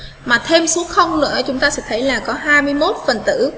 mặc thêm xu không được chúng ta sẽ thấy là có phần tử